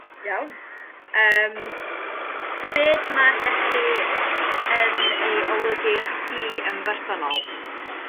Iawn yym beth ma' llechi yn ei olygu i chdi yn bersonol?